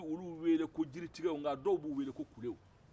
k'anw b'u wele ko jiritigɛw nka dɔw b'u wele ko kulew